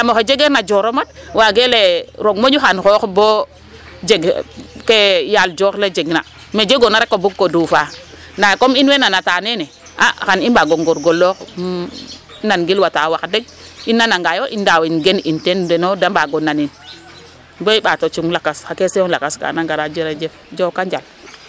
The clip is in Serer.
Yaam oxe jegeerna joor o mat waagee lay ee roog moƴu xam xoox bo jeg ke yaal joor le jegna ma jegoona rek o bug ko duufaa ndaa comme in moy nanata nene a xar i mbaag o ngoorngoorloox nangilwataa wax deg i nanangaayo i ndaawin gen in ten, den o da mbaag o nanin bo i ɓaat o cung lakas question lakas ka na ngara njooko njal.